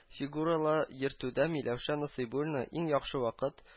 Фигуралы йөртүдә миләүшә насыйбуллина иң яхшы вакыт